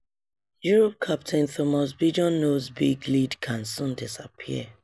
Europe captain Thomas Bjorn knows big lead can soon disappear